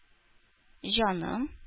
Җаным